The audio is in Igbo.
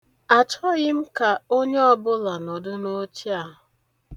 Achọghị m ka onye ọbụla nọdụ n'oche a.